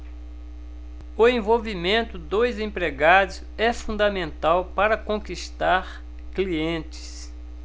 o envolvimento dos empregados é fundamental para conquistar clientes